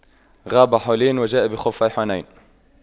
غاب حولين وجاء بِخُفَّيْ حنين